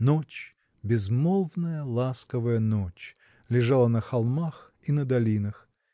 Ночь, безмолвная, ласковая ночь, лежала на холмах и на долинах